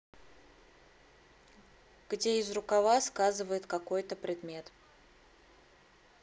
где из рукава сказывает какой то предмет